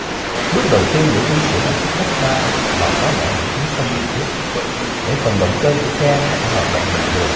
bước đầu tiên để tu sửa chiếc vét ba là tháo bỏ những thứ không cần thiết để phần động cơ của xe có thể hoạt động bình thường